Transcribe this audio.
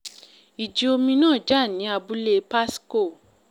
Ìjì omi náà jà ní abúlé Pasco.